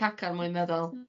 cacan mwy meddal.